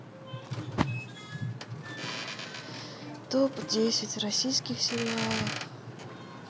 топ десять российских сериалов